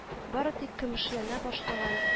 Бары тик көмешләнә башлаган